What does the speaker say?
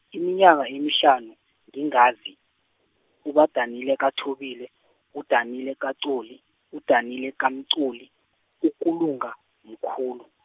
iminyaka emihlanu, ngingazi, uBadanile kaThobile, uDanile kaXoli, uDanile kaMxoli, okulunga, mkhulu.